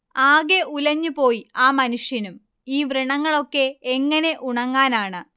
ആകെ ഉലഞ്ഞുപോയി ആ മനുഷ്യനും ഈ വ്രണങ്ങളൊക്കെ എങ്ങനെ ഉണങ്ങാനാണ്